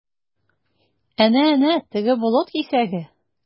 Әнә-әнә, теге болыт кисәге?